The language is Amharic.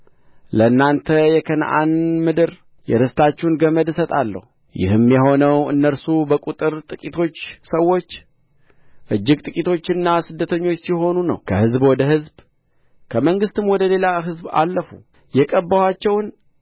ለአንተ የከነዓንን ምድር የርስታችሁን ገመድ እሰጣለሁ ይህም የሆነው እነርሱ በቍጥር ጥቂቶች ሰዎች እጅግ ጥቂቶችና ስደተኞች ሲሆኑ ነው ከሕዝብ ወደ ሕዝብ ከመንግሥትም ወደ ሌላ ሕዝብ አለፉ የቀባኋቸውን